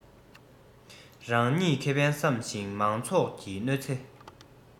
རང ཉིད ཁེ ཕན བསམ ཞིང མང ཚོགས ཀྱི གནོད ཚེ